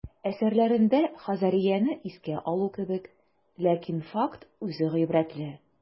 Әсәрләрендә Хазарияне искә алу кебек, ләкин факт үзе гыйбрәтле.